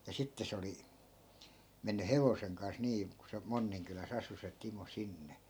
ja sitten se oli mennyt hevosen kanssa niin kun se Monninkylässä asui se Timo sinne